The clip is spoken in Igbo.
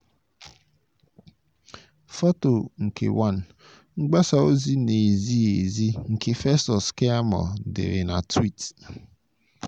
Foto nke 1: Mgbasa ozi na-ezighi ezi nke Festus Keyamo dere na tweet